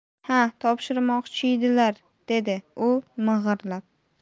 ha topshirmoqchiydilar dedi u ming'irlab